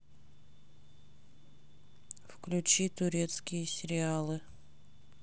включи турецкие сериалы